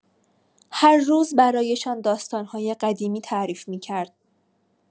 هر روز برایشان داستان‌های قدیمی تعریف می‌کرد.